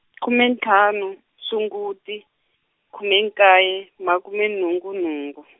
khume ntlhanu Sunguti, khume nkaye makume nhungu nhungu.